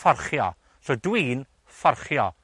fforchio. Rydw i'n fforchio.